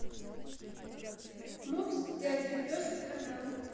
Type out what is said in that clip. мопс дядя пес канал